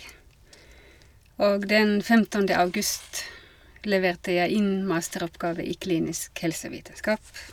Og den femtende august leverte jeg inn masteroppgave i klinisk helsevitenskap.